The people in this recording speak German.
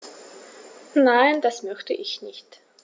Nein, das möchte ich nicht.